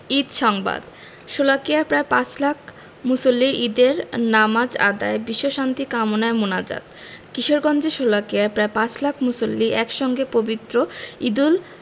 ঈদ সংবাদ শোলাকিয়ায় প্রায় পাঁচ লাখ মুসল্লির ঈদের নামাজ আদায় বিশ্বশান্তি কামনায় মোনাজাত কিশোরগঞ্জের শোলাকিয়ায় প্রায় পাঁচ লাখ মুসল্লি একসঙ্গে পবিত্র ঈদুল